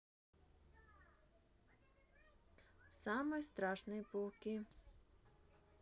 самые страшные пауки